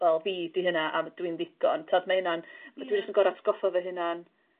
fel fi 'di hynna a dwi'n ddigon t'od ma' hynna'n... Ia. ...dwi jes yn gor'o' atgoffo fy hunan